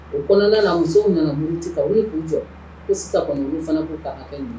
O kɔnɔna na musow nana muruti ka n'u k'u jɔ ko sisan kɔni olu fana b'u hakɛ ɲini!